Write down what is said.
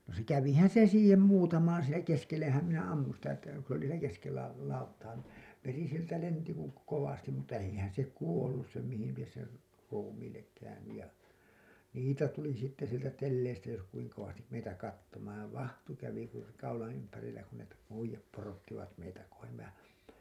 no se kävihän se siihen muutamaan siinä keskellehän minä ammuin sitä että kun se oli siinä keskellä lauttaa niin veri sieltä lensi kuin kovasti mutta eihän se kuollut sen mihin lie sen ruumiille käynyt ja niitä tuli sitten sieltä telleistä jos kuinka kovasti meitä katsomaan vaahto kävi - kaulan ympärillä kun ne - uida porottivat meitä kohden mehän